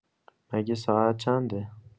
مگه ساعت چنده؟